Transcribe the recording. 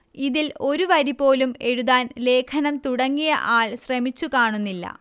ഇതിൽ ഒരു വരി പോലും എഴുതാൻ ലേഖനം തുടങ്ങിയ ആൾ ശ്രമിച്ചു കാണുന്നില്ല